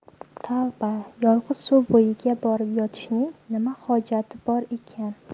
tavba yolg'iz suv bo'yiga borib yotishning nima hojati bor ekan